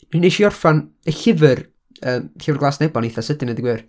Wnes i orffen y llyfr, yy, 'Llyfr Glas Nebo' yn eitha sydyn deud y gwir.